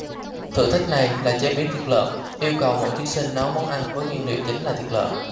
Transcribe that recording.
thử thách này là chế biến thịt lợn yêu cầu mỗi thí sinh nấu món ăn với nguyên liệu chính là thịt lợn